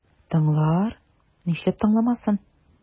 Тыңлар, нишләп тыңламасын?